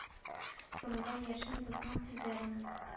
Соңгы яшен дусның сизәрмен.